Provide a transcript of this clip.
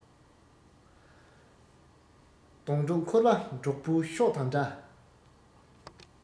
གདོང དྲུག འཁོར བ འབྲོག པའི ཤོ དང འདྲ